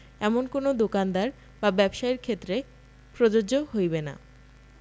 এমন কোন দোকানদার বা ব্যবসায়ীর ক্ষেত্রে প্রযোজ্য হইবে না